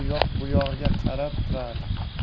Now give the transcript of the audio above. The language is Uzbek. yoq bu yog'iga qarab turardi